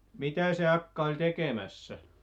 mitä se akka oli tekemässä